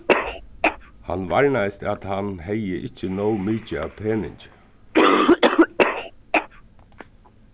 hann varnaðist at hann hevði ikki nóg mikið av peningi